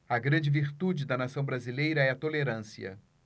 a grande virtude da nação brasileira é a tolerância